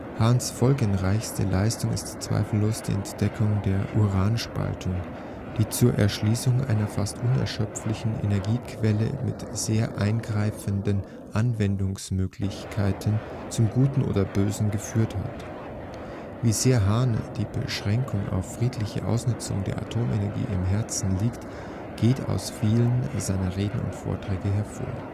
Hahns folgenreichste Leistung ist zweifellos die Entdeckung der Uranspaltung, die zur Erschliessung einer fast unerschöpflichen Energiequelle mit sehr eingreifenden Anwendungsmöglichkeiten - zum Guten oder Bösen - geführt hat. Wie sehr Hahn die Beschränkung auf friedliche Ausnutzung der Atomenergie am Herzen liegt, geht aus vielen seiner Reden und Vorträge hervor